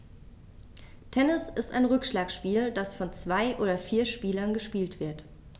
Tennis ist ein Rückschlagspiel, das von zwei oder vier Spielern gespielt wird.